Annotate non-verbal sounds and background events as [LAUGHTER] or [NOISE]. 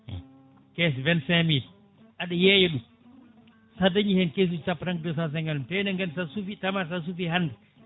[SMACKS LIPS] caisse vingt cinq mille aɗa yeeya ɗum sa dañi hen caisse uji sappo tan ko deux cent ciquante mille te eɗen gandi sa suufi tamate tan a suufi hande